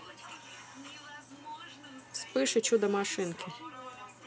вспыш и чудо машинки